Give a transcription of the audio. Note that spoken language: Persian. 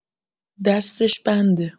دستش بنده.